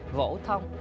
gỗ thông